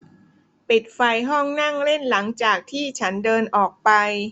ปิดไฟห้องนั่งเล่นหลังจากที่ฉันเดินออกไป